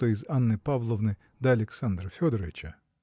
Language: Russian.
что из Анны Павловны да Александра Федорыча.